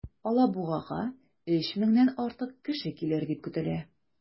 Алабугага 3 меңнән артык кеше килер дип көтелә.